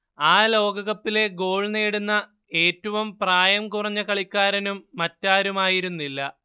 ആ ലോകകപ്പിലെ ഗോൾ നേടുന്ന ഏറ്റവും പ്രായം കുറഞ്ഞ കളിക്കാരനും മറ്റാരുമായിരുന്നില്ല